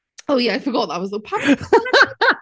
Oh yeah I forgot that was the... Pam... .